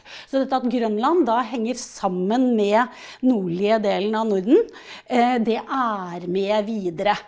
så dette at Grønland da henger sammen med nordlige delen av Norden, det er med videre.